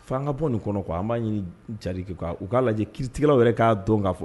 Fan ka bɔ nin kɔnɔ kɔ an b'a ɲini jaki kuwa u k'a lajɛ kiritigilaw wɛrɛ k kaa don'a fɔ